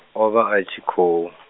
o vha atshi khou.